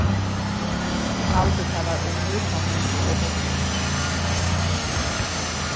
eg haldi tað var um nítjan hundrað og hálvfjerðs